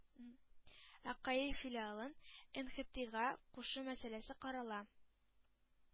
Ә каи филиалын нхтига кушу мәсьәләсе карала,